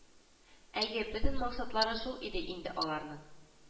Әйе бөтен максатлары шул иде инде аларның